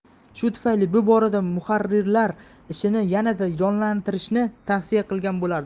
shu tufayli bu boradagi muharrirlar ishini yanada jonlantirishni tavsiya qilgan bo'lardim